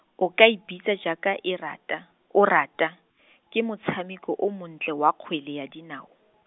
o ka e bitsa jaaka e rata, o rata, ke motshameko o o montle wa kgwele ya dinao.